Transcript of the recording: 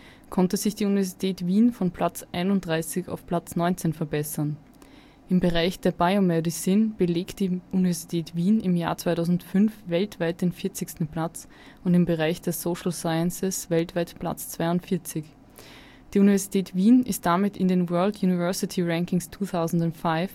konnte sich die Universität Wien von Platz 31 auf Platz 19 verbessern. Im Bereich der „ Biomedicine “belegt die Universität Wien im Jahr 2005 weltweit den 40. Platz und im Bereich der Social Sciences weltweit Platz 42. Die Universität Wien ist damit in den „ World University Rankings 2005